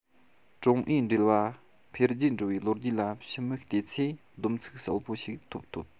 ཀྲུང ཨུའི འབྲེལ བ འཕེལ རྒྱས འགྲོ བའི ལོ རྒྱུས ལ ཕྱི མིག བལྟས ཚེ བསྡོམས ཚིག གསལ པོ ཞིག འཐོབ ཐུབ